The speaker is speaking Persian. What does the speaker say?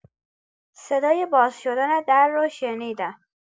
صدای باز شدن در رو شنیدیم.